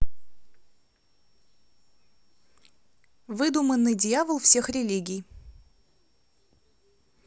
выдуманный дьявол всех религий